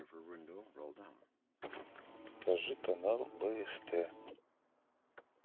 покажи канал бст